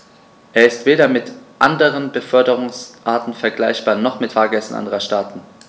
Er ist weder mit anderen Beförderungsarten vergleichbar, noch mit Fahrgästen anderer Staaten.